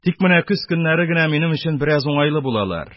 Тик менә көз көннәре генә минем өчен бераз уңайлы булалар.